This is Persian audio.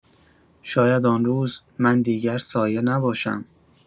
شاید آن روز، من دیگر سایه نباشم.